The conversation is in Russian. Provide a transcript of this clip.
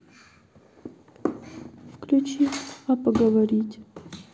включи а поговорить